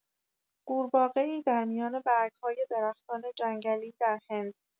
قورباغه‌ای در میان برگ‌های درختان جنگلی در هند